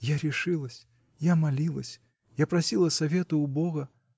я решилась, я молилась, я просила совета у бога